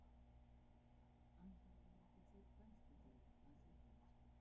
Այն ժամանակակից է՝ պարզ գծերով, ազատ տարածքով։